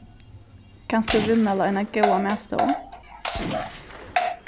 kanst tú viðmæla eina góða matstovu